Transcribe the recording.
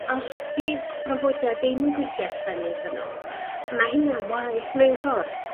os 'di'r bronfwydia ddim yn gweithio allan iddyn n'w ma' hynna'n waeth mewn ffor.